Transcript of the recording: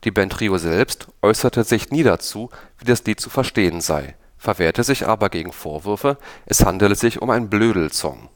Band Trio selbst äußerte sich nie dazu, wie das Lied zu verstehen sei, verwehrte sich aber gegen Vorwürfe, es handele sich um einen „ Blödelsong